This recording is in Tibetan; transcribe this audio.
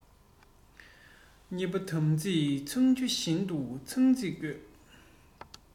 གཉིས པ དམ ཚིག གཙང ཆུ བཞིན དུ གཙང གཅིག དགོས